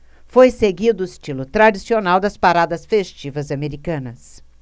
foi seguido o estilo tradicional das paradas festivas americanas